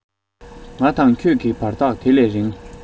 ང དང ཁྱོད ཀྱི བར ཐག དེ ལས རིང